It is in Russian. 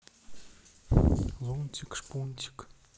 лунтик шпунтик